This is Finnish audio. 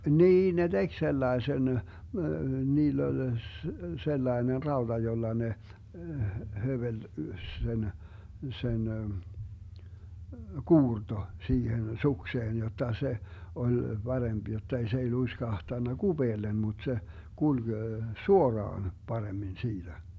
niin ne teki sellaisen niillä oli sellainen rauta jolla ne höveli sen sen kuurto siihen sukseen jotta se oli parempi jotta ei se ei luiskahtanut kupeelle mutta se kulki suoraan paremmin siitä